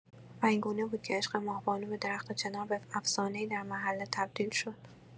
و این گونه بود که عشق ماه‌بانو به درخت چنار، به افسانه‌ای در محله تبدیل شد.